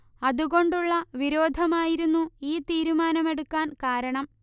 അതുകൊണ്ടുള്ള വിരോധമായിരുന്നു ഈ തീരുമാനമെടുക്കാൻ കാരണം